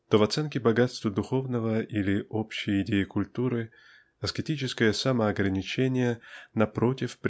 то в оценке богатства духовного или общей идеи культуры аскетическое самоограничение напротив